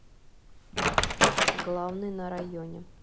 главный на районе